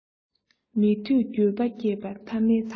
མེད དུས འགྱོད པ སྐྱེས པ ཐ མའི ཐ